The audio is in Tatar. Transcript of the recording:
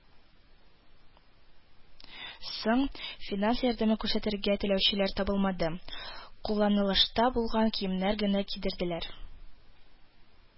Соң финанс ярдәме күрсәтергә теләүчеләр табылмады, кулланылышта булган киемнәр генә кидерделәр